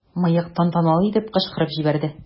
"мыек" тантаналы итеп кычкырып җибәрде.